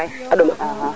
kama paana le Ndoundokh